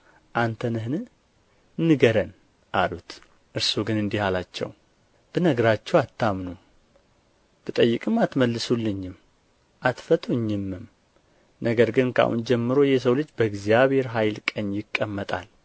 አንተ ነህን ንገረን አሉት እርሱ ግን እንዲህ አላቸው ብነግራችሁ አታምኑም ብጠይቅም አትመልሱልኝም አትፈቱኝምም ነገር ግን ከአሁን ጀምሮ የሰው ልጅ በእግዚአብሔር ኃይል ቀኝ ይቀመጣል